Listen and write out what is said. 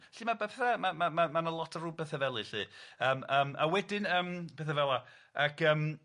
Felly ma' bethe ma' ma' ma' ma' 'na lot o ryw bethe fely 'lly yym yym a wedyn yym pethe fela ac yym